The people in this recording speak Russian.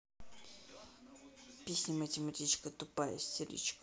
песня математематичка тупая истеричка